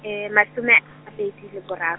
masome -bedi le borar-.